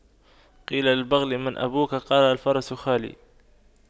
قيل للبغل من أبوك قال الفرس خالي